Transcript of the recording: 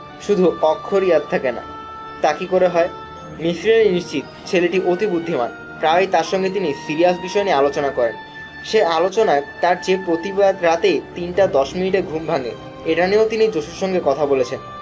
শুধু অক্ষর ইয়াদ থাকে না—তা কী করে হয় ? মিসির আলি নিশ্চিত, ছেলেটি অতি বুদ্ধিমান। প্রায়ই তার সঙ্গে তিনি সিরিয়াস বিষয় নিয়ে আলােচনা করেন। সে আলােচনায় তাঁর যে প্রতি বাত রাতেই তিনটা দশ মিনিটেই ঘুম ভাঙে—এটা নিয়েও তিনি জপুর সঙ্গে কথা বলেছেন